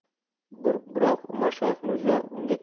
biroq umarshayx mirzo unga